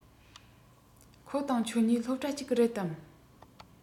ཁོ དང ཁྱོད གཉིས སློབ གྲྭ གཅིག གི རེད དམ